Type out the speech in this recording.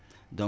merci